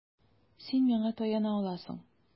Син миңа таяна аласың.